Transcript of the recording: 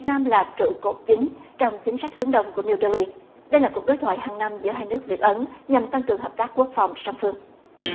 nam là trụ cột chính trong chính sách hướng đông của niu đê li đây là cuộc đối thoại hằng năm giữa hai nước việt ấn nhằm tăng cường hợp tác quốc phòng song phương